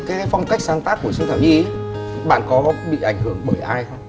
cái phong cách sáng tác của xuân thảo nhi ý bạn có bị ảnh hưởng bởi ai không